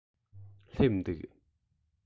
སླེབས འདུག